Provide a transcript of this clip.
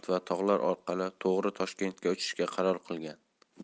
tog'lar orqali to'g'ri toshkentga uchishga qaror qilgan